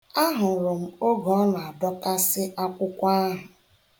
A hụrụ m oge ọ na-adọkasị akwụkwọ ahụ.